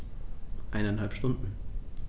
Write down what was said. Eineinhalb Stunden